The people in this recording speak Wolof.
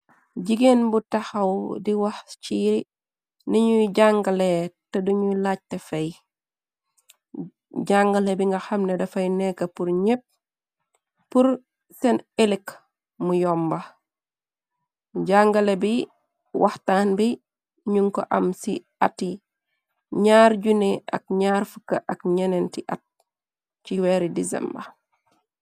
Gigeen bu taxaw di wax cir niñuy jàngale te duñuy laajte fey, jàngale bi nga xamne dafay nekka pur ñepp, pur sehn ehlek mu yomba, jàngale bi waxtaan bi ñung kor am ci ati njarr juneh ak njarr fukah ak ñjenti att, chi weri December.